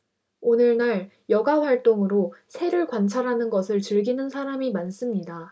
오늘날 여가 활동으로 새를 관찰하는 것을 즐기는 사람이 많습니다